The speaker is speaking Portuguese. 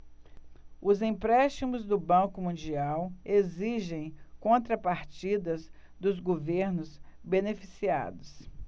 os empréstimos do banco mundial exigem contrapartidas dos governos beneficiados